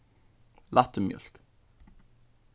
lættimjólk